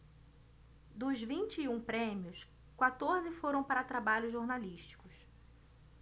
dos vinte e um prêmios quatorze foram para trabalhos jornalísticos